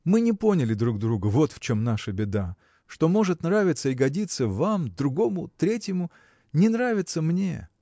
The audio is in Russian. Мы не поняли друг друга – вот в чем наша беда! Что может нравиться и годиться вам другому третьему – не нравится мне.